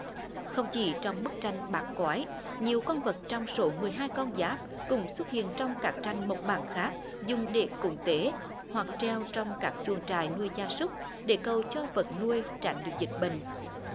không chỉ trong bức tranh bạc cói nhiều con vật trong số mười hai con giáp cùng xuất hiện trong các tranh mộc bản khác dùng để cúng tế hoặc treo trong các chuồng trại nuôi gia súc để cầu cho vật nuôi tránh được dịch bệnh